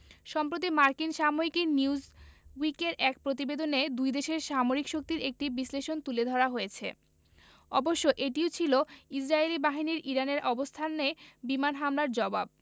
সম্প্রতি মার্কিন সাময়িকী নিউজউইকের এক প্রতিবেদনে দুই দেশের সামরিক শক্তির একটি বিশ্লেষণ তুলে ধরা হয়েছে অবশ্য এটিও ছিল ইসরায়েলি বাহিনীর ইরানের অবস্থানে বিমান হামলার জবাব